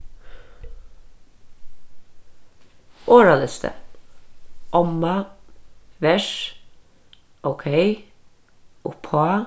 orðalisti omma vers ókey uppá